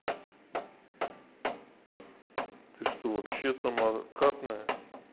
ты что вообще самокатная